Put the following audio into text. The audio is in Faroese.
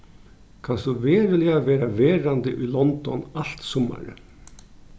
kanst tú veruliga verða verandi í london alt summarið